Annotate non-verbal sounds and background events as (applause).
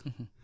(hesitation) (hesitation)